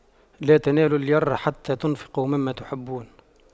لَن تَنَالُواْ البِرَّ حَتَّى تُنفِقُواْ مِمَّا تُحِبُّونَ